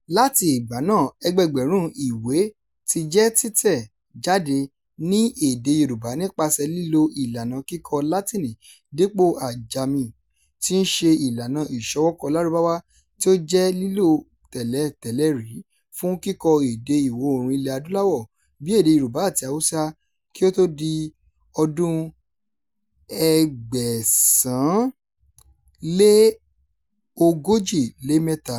Láti ìgbà náà, ẹgbẹẹgbẹ̀rún ìwé ti jẹ́ títẹ̀ jáde ní èdè Yorùbá nípasẹ̀ lílo ìlànà kíkọ Látíìnì dípò Ajami, tí í ṣe ìlànà ìṣọwọ́kọ Lárúbáwá tí ó ti jẹ́ lílò tẹ́lẹ̀tẹ́lẹ́ rí fún kíkọ èdè Ìwọ̀-oòrùn Ilẹ̀-Adúláwọ̀ bí i èdè Yorùbá àti Haúsá kí ó tó di 1843.